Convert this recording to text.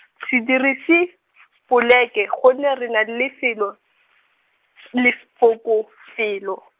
se dirise , poleke gonne re na le felo, lefoko felo.